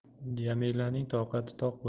jamilaning toqati toq